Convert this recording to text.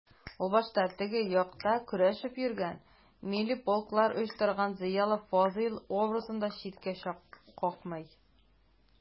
Ул башта «теге як»та көрәшеп йөргән, милли полклар оештырган зыялы Фазыйл образын да читкә какмый.